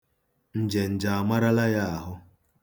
Njenje amarala ya ahụ.